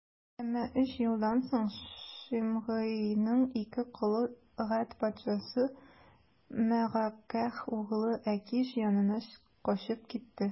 Әмма өч елдан соң Шимгыйның ике колы Гәт патшасы, Мәгакәһ углы Әкиш янына качып китте.